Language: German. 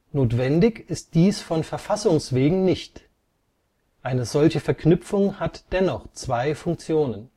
Notwendig ist dies von Verfassungs wegen nicht. Eine solche Verknüpfung hat dennoch zwei Funktionen